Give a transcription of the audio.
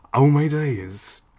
Oh my days!